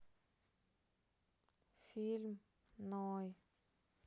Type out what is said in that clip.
фильм ной